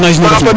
menage nu ref na